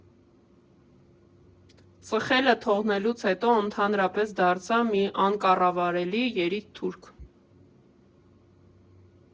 Ծխելը թողնելուց հետո ընդհանրապես դարձա մի անկառավարելի երիտթուրք։